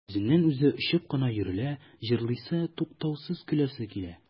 Үзеннән-үзе очып кына йөрелә, җырлыйсы, туктаусыз көләсе килә.